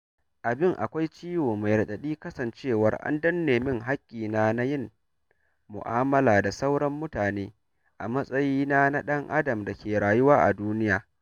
Abin akwai ciwo mai raɗaɗi kasancewar an danne min haƙƙina na yin mu'amala da sauran mutane a matsayina na ɗan adam da ke rayuwa a duniya.